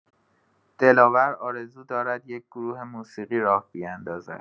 دلاور آرزو دارد یک گروه موسیقی راه بیندازد.